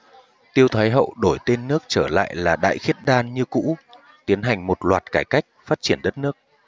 tiêu thái hậu đổi tên nước trở lại là đại khiết đan như cũ tiến hành một loạt cải cách phát triển đất nước